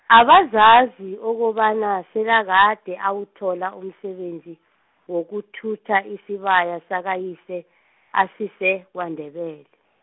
abazazi ukobana selakade awuthola umsebenzi, wokuthutha isibaya sakayise, asise, kwaNdebele.